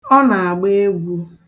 Ọ na-agba egwu.